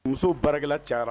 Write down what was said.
Muso baarakɛla cayara